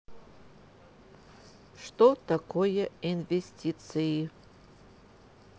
что такое инвестиции